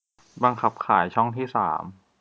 บังคับขายช่องที่สาม